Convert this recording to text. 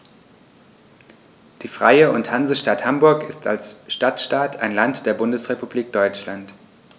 Die Freie und Hansestadt Hamburg ist als Stadtstaat ein Land der Bundesrepublik Deutschland.